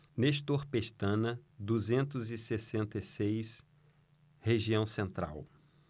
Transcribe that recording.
nestor pestana duzentos e sessenta e seis região central